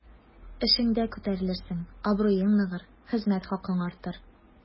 Эшеңдә күтәрелерсең, абруең ныгыр, хезмәт хакың артыр.